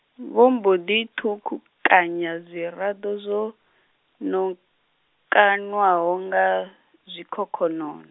vho mbo ḓi ṱhukukanya zwiraḓo zwo, nokanwaho- nga, zwikhokhonono.